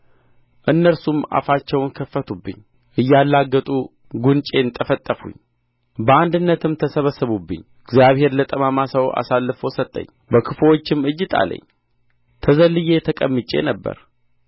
እነርሱም አፋቸውን ከፈቱብኝ እያላገጡ ጕንጬን ጠፈጠፉኝ በአንድነትም ተሰበሰቡብኝ እግዚአብሔር ለጠማማ ሰው አሳልፎ ሰጠኝ በክፉዎችም እጅ ጣለኝ ተዘልዬ ተቀምጬ ነበር